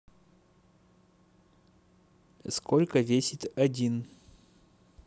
сколько весит один